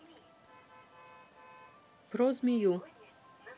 про змею